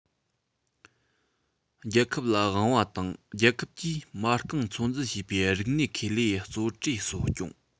རྒྱལ ཁབ ལ དབང བ དང རྒྱལ ཁབ ཀྱིས མ རྐང ཚོད འཛིན བྱས པའི རིག གནས ཁེ ལས གཙོ གྲས གསོ སྐྱོང